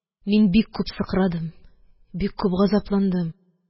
Мин бик күп сыкрадым, бик күп газапландым